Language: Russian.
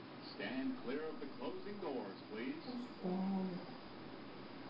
устали